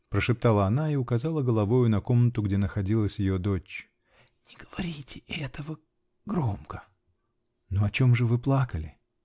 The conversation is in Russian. -- прошептала она и указала головою на комнату, где находилась ее дочь. -- Не говорите этого. громко. -- Но о чем же вы плакали?